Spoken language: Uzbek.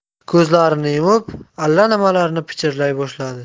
ko'zlarini yumib allanimalarni pichirlay boshladi